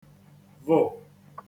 vụ̀